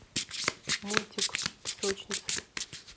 мультик песочниц